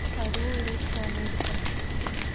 орел и решка америка